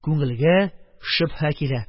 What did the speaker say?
Күңелгә шөбһә килә;